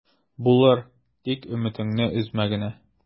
Булыр, тик өметеңне өзмә генә...